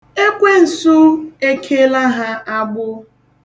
Ekwensu e keela ha agbụ.